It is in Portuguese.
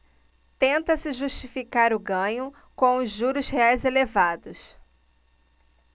tenta-se justificar o ganho com os juros reais elevados